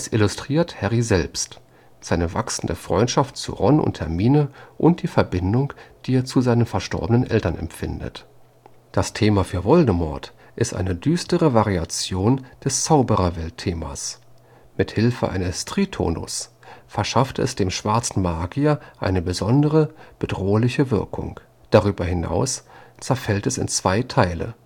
illustriert Harry selbst, seine wachsende Freundschaft zu Ron und Hermine und die Verbindung, die er zu seinen verstorbenen Eltern empfindet. Das Thema für Voldemort ist eine düstere Variation des Zauberwelt-Themas. Mithilfe eines Tritonus verschafft es dem schwarzen Magier eine besonders bedrohliche Wirkung. Darüber hinaus zerfällt es in zwei Teile